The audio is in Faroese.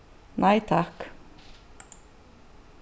nei takk